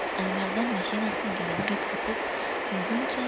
alimardon mashinasini garajga kiritib qo'yguncha